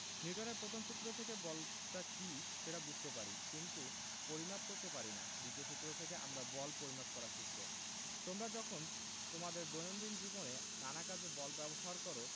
নিউটনের প্রথম সূত্র থেকে বলটা কী সেটা বুঝতে পারি কিন্তু পরিমাপ করতে পারি না দ্বিতীয় সূত্র থেকে আমরা বল পরিমাপ করা শিখব তোমরা যখন তোমাদের দৈনন্দিন জীবনে নানা কাজে বল ব্যবহার করো